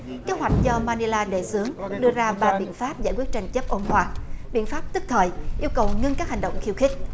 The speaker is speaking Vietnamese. kế hoạch do ma ni la đề xướng đưa ra ba biện pháp giải quyết tranh chấp ôn hòa biện pháp tức thời yêu cầu ngưng các hành động khiêu khích